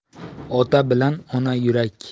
ota bilak ona yurak